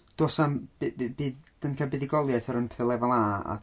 Does na'm... b- bydd... dan ni 'di cael buddugoliaeth ar y pethau Lefel A...